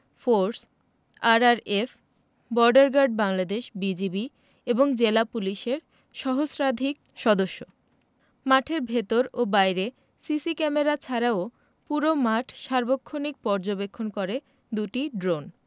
force RRF border guard Bangladesh BGB এবং জেলা পুলিশের সহস্রাধিক সদস্য মাঠের ভেতর ও বাইরে সিসি ক্যামেরা ছাড়াও পুরো মাঠ সার্বক্ষণিক পর্যবেক্ষণ করে দুটি ড্রোন